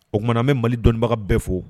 O tumaumana bɛ mali dɔnnibaga bɛɛ fo